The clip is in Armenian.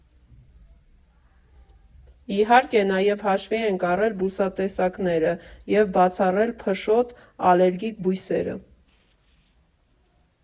Իհարկե, նաև հաշվի ենք առել բուսատեսակները և բացառել փշոտ, ալերգիկ բույսերը։